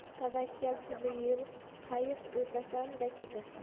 tavakkal tubi yel qayiq o'tasan da ketasan